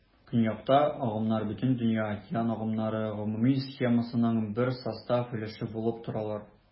Көньякта агымнар Бөтендөнья океан агымнары гомуми схемасының бер состав өлеше булып торалар.